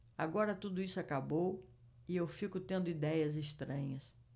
agora tudo isso acabou e eu fico tendo idéias estranhas